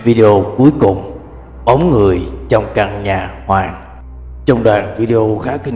video cuối cùng bóng người trong căn nhà hoàng trong đoạn video khá kinh dị này